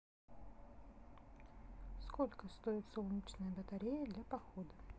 сколько стоит солнечная батарея для похода